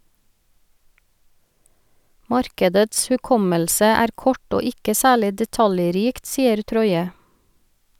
- Markedets hukommelse er kort og ikke særlig detaljrikt, sier Troye.